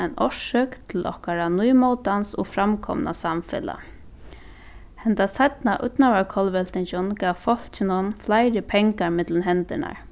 ein orsøk til okkara nýmótans og framkomna samfelag henda seinna ídnaðarkollveltingin gav fólkinum fleiri pengar millum hendurnar